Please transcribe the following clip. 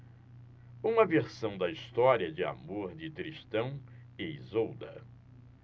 uma versão da história de amor de tristão e isolda